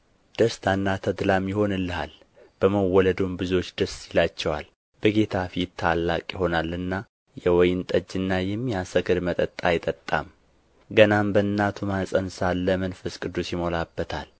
ደስታና ተድላም ይሆንልሃል በመወለዱም ብዙዎች ደስ ይላቸዋል በጌታ ፊት ታላቅ ይሆናልና የወይን ጠጅና የሚያሰክር መጠጥ አይጠጣም ገናም በእናቱ ማኅፀን ሳለ መንፈስ ቅዱስ ይሞላበታል